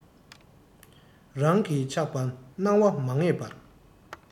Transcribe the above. རང གི ཆགས པ སྣང བ མ ངེས པས